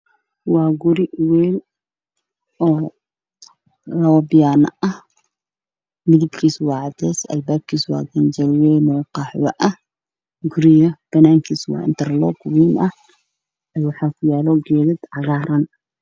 Waa masaajid oo dabaq ah oo midabkiisa yahay haddaan maxaa banaanka ka baxay geed cagaa